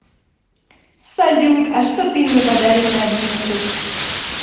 салют а что ты мне подаришь на одиннадцать